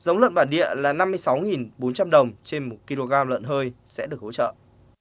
giống lợn bản địa là năm mươi sáu nghìn bốn trăm đồng trên một ki lô gam lợn hơi sẽ được hỗ trợ